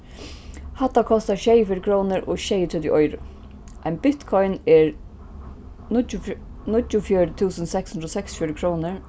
hatta kostar sjeyogfjøruti krónur og sjeyogtretivu oyru ein bitcoin er níggjuogfjøruti túsund seks hundrað og seksogfjøruti krónur